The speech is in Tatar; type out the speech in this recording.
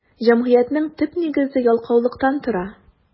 Җәмгыятьнең төп нигезе ялкаулыктан тора.